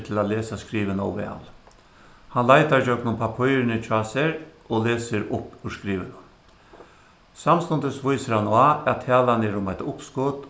til at lesa skrivið nóg væl hann leitar ígjøgnum pappírini hjá sær og lesur upp úr skrivinum samstundis vísir hann á at talan er um eitt uppskot